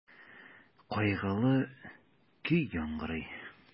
Кайгылы көй яңгырый.